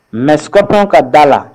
Mɛ s panw ka da la